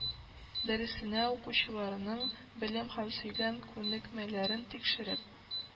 Дəресендə укучыларның белем һəм сөйлəм күнекмəлəрен тикшереп